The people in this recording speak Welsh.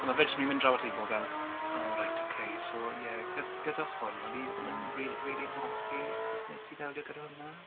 A mae fe jyst mynd i mynd draw at hi a bod fel *"Alright ok so yeah gy- gyda hwn o'n i ddim yn r- rili hoffi sut wnest ti ddelio gyda hynna".